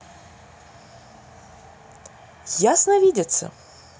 ясно видеться